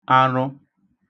arụ